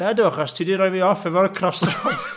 Nadw, achos ti 'di rhoi fi off efo'r Crossroads